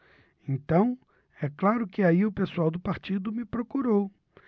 então é claro que aí o pessoal do partido me procurou